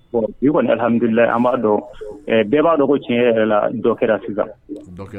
I kɔnihamidulila an b'a dɔn bɛɛ b'a dogo tiɲɛ yɛrɛ la dɔ kɛra sisan